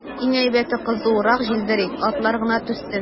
Иң әйбәте, кызурак җилдерик, атлар гына түзсен.